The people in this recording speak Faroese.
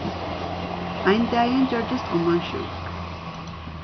ein dagin gjørdist omman sjúk